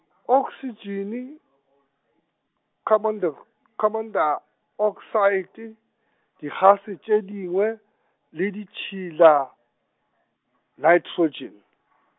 oksitšene, khamentekg- , khamontaeoksaete-, digase tše dingwe, le ditšhila, naetrotšene .